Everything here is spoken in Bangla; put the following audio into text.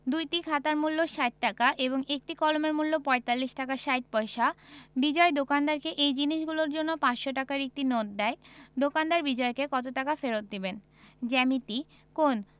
দুইটি খাতার মূল্য ৬০ টাকা এবং একটি কলমের মূল্য ৪৫ টাকা ৬০ পয়সা বিজয় দোকানদারকে এই জিনিসগুলোর জন্য ৫০০ টাকার একটি নোট দেয় দোকানদার বিজয়কে কত টাকা ফেরত দেবেন জ্যামিতিঃ কোণঃ